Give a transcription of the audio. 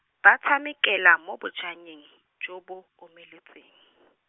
ba tshamekela mo bojannye, jo bo, omeletseng.